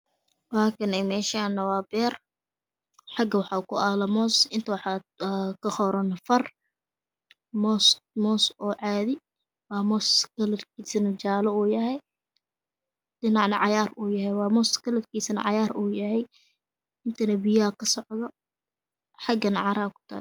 Waa kanee meeshaani waa beer xadda waxaa ku Aalo moos inka waxaa ku qoran far, moos oo caadi, waa boos karrartiisa jaalo uu yahay dhiyacna jaallo uu yahay, waa moos karrartiisa uu cagaar uu yahay inkana biyo ayaa ka socdo xaddana caraa ku taal